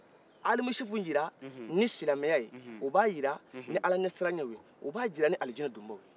u bɛ alimusufu jira nin silamɛya ye u b'a jira ni ala ɲɛsirayan ye u b'a jira nin alijinɛ donbaw ye